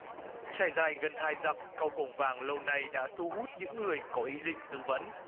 trải dài gần hai dặm cầu cổng vàng lâu nay đã thu hút những người có ý định tự vẫn